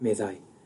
meddai